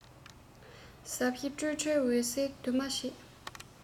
ཟབ ཞི སྤྲོས བྲལ འོད གསལ འདུས མ བྱས